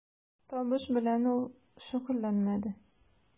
Табыш белән ул шөгыльләнмәде.